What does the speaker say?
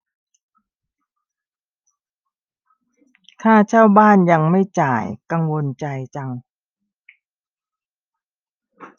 ค่าเช่าบ้านยังไม่จ่ายกังวลใจจัง